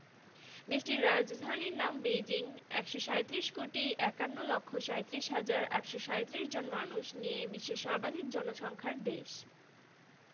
Manchu Hui Miao Uyghur Mongol তিব্বতি প্রভৃতি চীনের সংখ্যাগরিষ্ঠ মানুষের ভাষা হলো মান্দারিন জনসমষ্টির শতকরা ৯৫ ভাগ এ ভাষায় কথা বলে